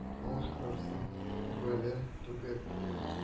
Алыштырырсың – бу бәла түгел